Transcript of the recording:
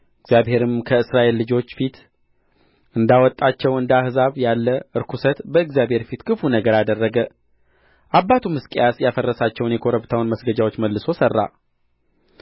እግዚአብሔርም ከእስራኤል ልጆች ፊት እንዳወጣቸው እንደ አሕዛብ ያለ ርኵሰት በእግዚአብሔር ፊት ክፉ ነገር አደረገ አባቱም ሕዝቅያስ ያፈረሳቸውን የኮረብታውን መስገጃዎች መልሶ ሠራ